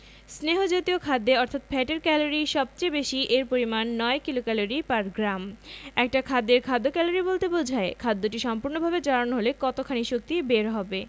স্নেহ জাতীয় খাদ্যে অর্থাৎ ফ্যাটের ক্যালরি সবচেয়ে বেশি এর পরিমান ৯ কিলোক্যালরি পার গ্রাম একটা খাদ্যের খাদ্য ক্যালোরি বলতে বোঝায় খাদ্যটি সম্পূর্ণভাবে জারণ হলে কতখানি শক্তি বের হবে